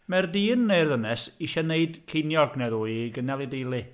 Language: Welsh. Mae'r dyn neu'r ddynes eisiau gwneud ceiniog neu ddwy i gynnal ei deulu.